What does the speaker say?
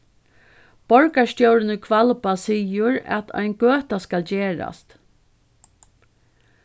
borgarstjórin í hvalba sigur at ein gøta skal gerast